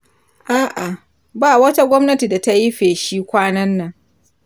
a'a, ba wata gwamnati da ta yi feshin kwanan nan.